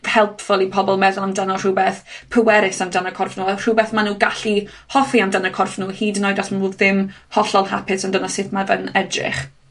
helpful i pobol meddwl amdano rhwbeth pwerus amdano corff nw, a rhwbeth ma' nw gallu hoffi amdan y corff nhw, hyd yn oed os ma' nw ddim hollol hapus amdano sut ma' yn edrych.